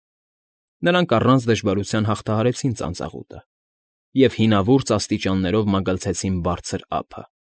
Նրանք առանց դժվարության հաղթահարեցին ծանծաղուտը և հինավուրց աստիճաններով մագլցեցին բարձր ափը։